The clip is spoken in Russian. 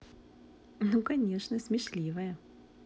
ну конечно смешливая